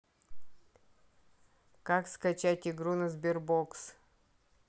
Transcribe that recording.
как скачать игру на sberbox